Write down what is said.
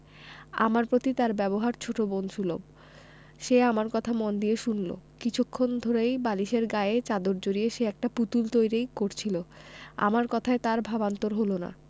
আমার প্রতি তার ব্যবহার ছোট বোন সুলভ সে আমার কথা মন দিয়ে শুনলো কিছুক্ষণ ধরেই বালিশের গায়ে চাদর জড়িয়ে সে একটা পুতুল তৈরি করছিলো আমার কথায় তার ভাবান্তর হলো না